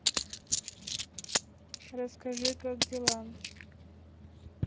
расскажи как дела